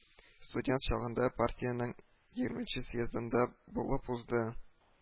Студент чагында партиянең егерменче съездында булып узды